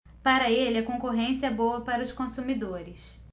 para ele a concorrência é boa para os consumidores